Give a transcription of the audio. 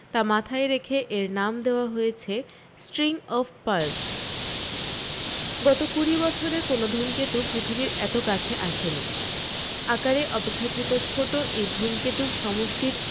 তা মাথায় রেখে এর নাম দেওয়া হয়েছে স্ট্রিং অফ পার্লস গত কুড়ি বছরে কোনও ধূমকেতু পৃথিবীর এত কাছে আসেনি আকারে অপেক্ষাকৃত ছোট এই ধূমকেতুর সমষ্টির